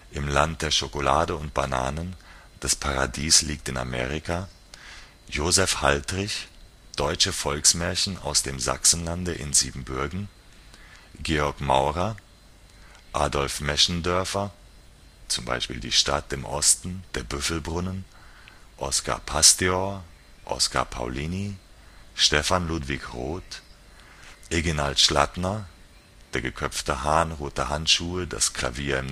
Im Land der Schokolade und Bananen, Das Paradies liegt in Amerika Josef Haltrich Deutsche Volksmärchen aus dem Sachsenlande in Siebenbürgen Georg Maurer Adolf Meschendörfer Die Stadt im Osten, Der Büffelbrunnen Oskar Pastior Oskar Paulini Stephan Ludwig Roth Eginald Schlattner Der geköpfte Hahn, Rote Handschuhe, Das Klavier